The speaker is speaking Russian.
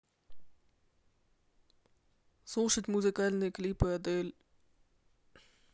слушать музыкальные клипы адель